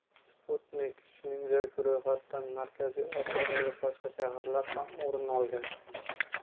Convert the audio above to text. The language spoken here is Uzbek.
sputnik shuningdek ro'yxatdan markaziy osiyodagi boshqa shaharlar ham o'rin olgan